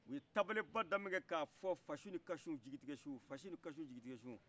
u ye tabale ba da min kɛ k'a fɔ fasu ni kasu jigitiɛ su fasu ni kasu jigitiɛ su